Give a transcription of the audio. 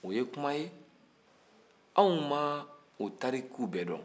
o ye kuma ye anw ma o tariku bɛɛ dɔn